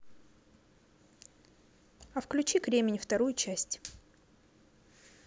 а включи кремень вторую часть